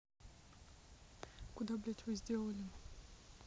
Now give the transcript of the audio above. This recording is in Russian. куда блять вы сделали